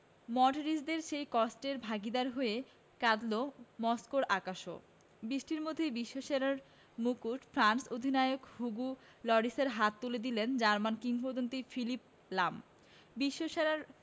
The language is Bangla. মডরিচদের সেই কষ্টের ভাগিদার হয়ে কাঁদল মস্কোর আকাশও বৃষ্টির মধ্যেই বিশ্বসেরার মুকুট ফ্রান্স অধিনায়ক হুগো লরিসের হাতে তুলে দিলেন জার্মান কিংবদন্তি ফিলিপ লাম বিশ্বসেরার